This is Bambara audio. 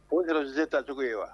O yɛrɛ tacogo ye wa